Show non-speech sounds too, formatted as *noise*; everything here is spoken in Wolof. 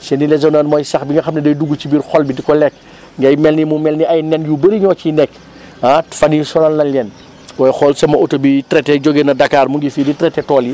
chenille légionnaire mooy sax bu nga xam ne day dugg ci biir xol bi di ko lekk *breath* ngay mel ni mu mel ni ay nen yu bëri ñoo ciy nekk *breath* ah fan yii sonal nañ leen *smacks lips* booy xool sama oto biy traité jógee na Dakar mu ngi fii di traité tool yi